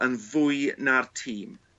yn fwy na'r tîm.